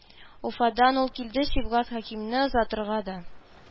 Уфадан ул килде, Сибгат Хәкимне озатырга да